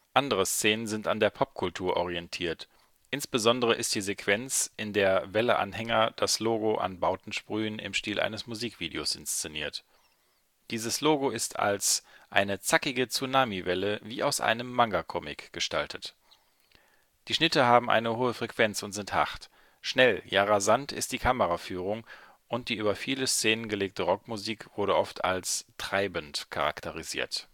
Andere Szenen sind an der Popkultur orientiert, insbesondere ist die Sequenz, in der Welle-Anhänger das Logo an Bauten sprühen, im Stil eines Musikvideos inszeniert. Dieses Logo ist als „ eine zackige Tsunami-Welle wie aus einem Manga-Comic “gestaltet. Die Schnitte haben eine hohe Frequenz und sind hart, „ schnell, ja rasant ist die Kameraführung “und die über viele Szenen gelegte Rockmusik wurde oft als „ treibend “charakterisiert